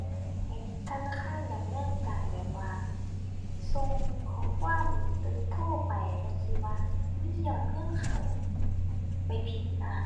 ให้ธนาคารดำเนินการแบบว่า ส่งข้อความหรือโทรไปจั่งซี้ว่ามียอดเงินเข้าไปผิดนะ